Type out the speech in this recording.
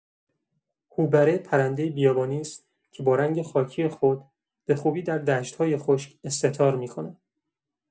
هوبره پرنده‌ای بیابانی است که با رنگ خاکی خود به‌خوبی در دشت‌های خشک استتار می‌کند.